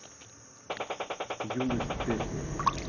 юность песня